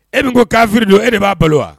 E min ko kaffiri don e de b'a balo wa